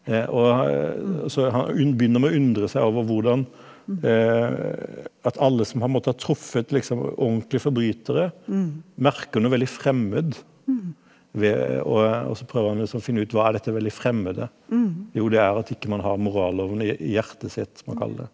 og så han begynner med å undre seg over hvordan at alle som har en måte har truffet liksom ordentlige forbrytere merker noe veldig fremmed ved og også prøver han liksom å finne ut hva er dette veldig fremmede, jo det er at ikke man har moralloven i i hjertet sitt som han kaller det.